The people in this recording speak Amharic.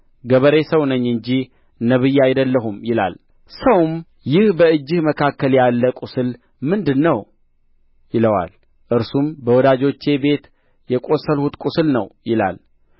ገበሬ ሰው ነኝ እንጂ ነቢይ አይደለሁም ይላል ሰውም ይህ በእጅህ መካከል ያለ ቍስል ምንድር ነው ይለዋል እርሱም በወዳጆቼ ቤት የቈሰልሁት ቍስል ነው ይላል